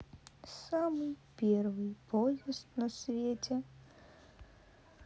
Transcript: самый первый поезд на свете